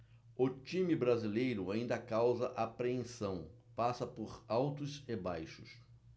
o time brasileiro ainda causa apreensão passa por altos e baixos